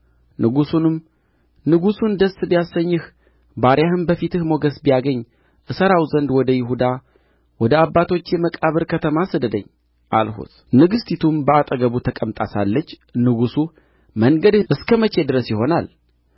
ንጉሡንም ንጉሡን ደስ ቢያሰኝህ ባሪያህም በፊትህ ሞገስ ቢያገኝ እሠራው ዘንድ ወደ ይሁዳ ወደ አባቶቼ መቃብር ከተማ ስደደኝ አልሁት ንግሥቲቱም በአጠገቡ ተቀምጣ ሳለች ንጉሡ መንገድህ እስከ መቼ ድረስ ይሆናል